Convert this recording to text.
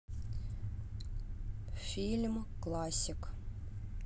фильм классик